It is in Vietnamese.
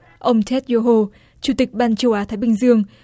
ông thét dô hô chủ tịch ban châu á thái bình dương